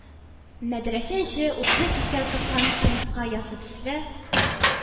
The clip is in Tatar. Мәдрәсә эче, утлы кисәү тыккан кырмыска оясы төсле,